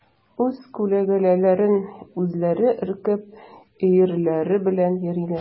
Үз күләгәләреннән үзләре өркеп, өерләре белән йөриләр.